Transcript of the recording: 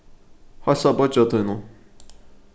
heilsa beiggja tínum